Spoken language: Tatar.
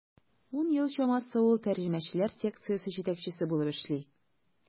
Ун ел чамасы ул тәрҗемәчеләр секциясе җитәкчесе булып эшли.